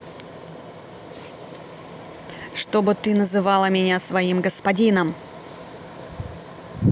чтобы ты называла меня своим господином